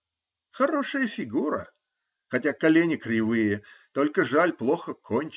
Хорошая фигура, хотя колени кривые. Только жаль -- плохо кончит.